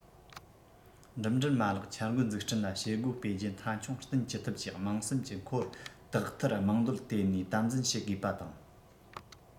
འགྲིམ འགྲུལ མ ལག འཆར འགོད འཛུགས སྐྲུན ལ བྱེད སྒོ སྤེལ རྒྱུ མཐའ འཁྱོངས བསྟུན ཅི ཐུབ ཀྱིས དམངས སེམས ཀྱི འཁོར དག ཐེར དམངས འདོད དེད ནས དམ འཛིན བྱེད དགོས པ དང